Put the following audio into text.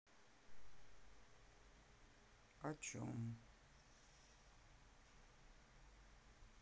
о чем